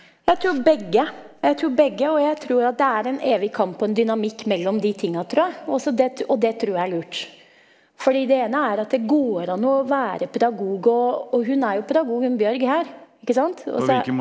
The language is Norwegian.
jeg tror begge, jeg tror begge, og jeg tror at det er en evig kamp og en dynamikk mellom de tinga, tror jeg, også det det tror jeg er lurt fordi det ene er at det går an å være pedagog og og hun er jo pedagog hun Bjørg her ikke sant også.